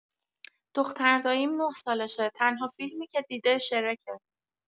دخترداییم ۹ سالشه، تنها فیلمی که دیده شرکه